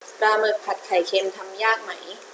ปลาหมึกผัดไข่เค็มทำยากไหม